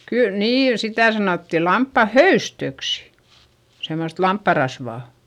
kyllä niin sitä sanottiin lampaan höystöksi semmoista lampaan rasvaa